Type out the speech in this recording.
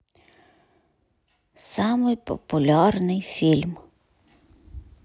самый популярный фильм